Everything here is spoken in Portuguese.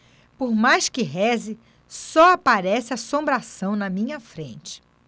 por mais que reze só aparece assombração na minha frente